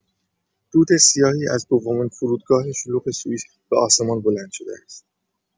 دود سیاهی از دومین فرودگاه شلوغ سوئیس به آسمان بلند شده است.